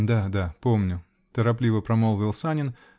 -- Да, да, помню, -- торопливо промолвил Санин.